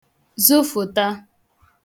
zụfụ̀ta